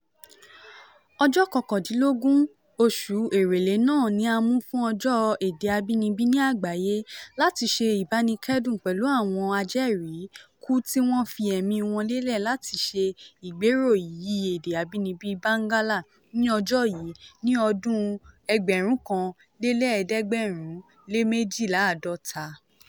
Ọjọ́ 21 oṣù Èrèlé náà ni a mú fún ọjọ́ Èdè Abínibí ní àgbáyé láti ṣe ìbánikẹ́dùn pẹ̀lú àwọn ajẹ́rìí kú tí wọ́n fi ẹ̀mí wọn lélè láti ṣe ìgbéró iyì Èdè Abínibí Bangla, ní ọjọ́ yìí ní ọdún 1952.